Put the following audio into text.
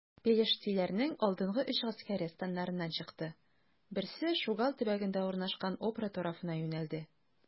Пелештиләрнең алдынгы өч гаскәре, станнарыннан чыкты: берсе Шугал төбәгендә урнашкан Опра тарафына юнәлде.